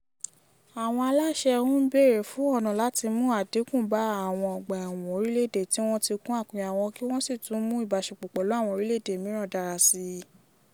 Àwọn aláṣẹ ń bèrè fún ọ̀nà láti mú àdínkù bá àwọn ọgbà ẹ̀wọ̀n orílẹ̀-èdè tí wọ́n ti kún àkúnyawọ́ kí wọ́n sì tún mú ìbáṣepọ̀ pẹ̀lú àwọn orílẹ̀-èdè mìíràn dára síi.